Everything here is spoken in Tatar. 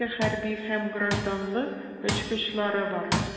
Бездә заманча хәрби һәм гражданлык очкычлары бар.